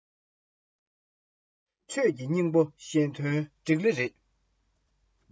ཆོས ཀྱི རྩ བ མི སེམས འཛིན རྒྱུ རེད